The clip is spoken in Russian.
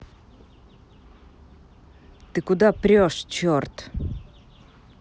ты куда прешь черт